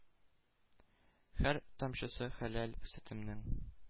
Һәр тамчысы хәләл сөтемнең;